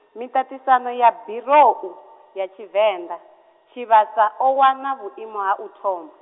miṱaṱisano ya birou ko, ya Tshivenḓa, Tshivhasa o wana vhuimo ha uthoma.